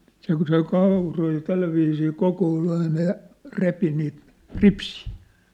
se kun söi kauroja ja tällä viisiin kokoili aina ja repi niitä ripsiä